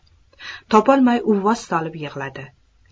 topolmay uvvos solib yig'ladi